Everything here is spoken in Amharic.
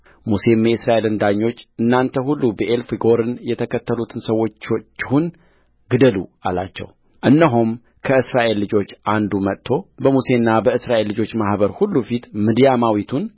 ሙሴም የእስራኤልን ዳኞች እናንተ ሁሉ ብዔልፌጎርን የተከተሉትን ሰዎቻችሁን ግደሉ አላቸውእነሆም ከእስራኤል ልጆች አንዱ መጥቶ በሙሴና በእስራኤል ልጆች ማኅበር ሁሉ ፊት ምድያማዊቱን